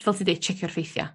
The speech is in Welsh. Fel ti'n deud checio'r ffeithia.